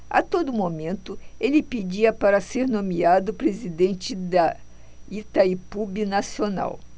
a todo momento ele pedia para ser nomeado presidente de itaipu binacional